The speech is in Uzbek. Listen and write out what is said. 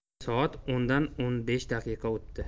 soat o'ndan o'n besh daqiqa o'tdi